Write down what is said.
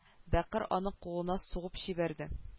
Бәкер аның кулына сугып җибәрде